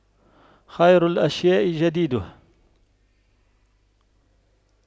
خير الأشياء جديدها